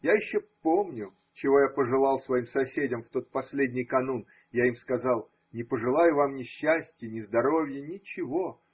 Я еще помню, чего я пожелал своим соседям в тот последний канун, я им сказал: не пожелаю вам ни счастья, ни здоровья ничего.